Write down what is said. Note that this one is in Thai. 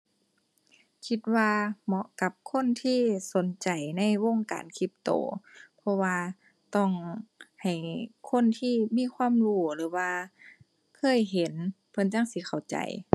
คิดว่าเหมาะกับคนที่สนใจในวงการคริปโต เพราะว่าต้องให้คนที่มีความรู้หรือว่าเคยเห็นเพิ่นจั่งสิเข้าใจ